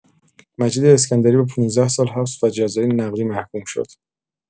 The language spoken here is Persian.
مجید اسکندری به ۱۵ سال حبس و جزای نقدی محکوم شد.